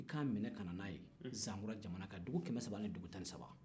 i k'a minɛ ka nana ye zankura jamana kan dugu kɛmɛ saba ani dugu tan ni saba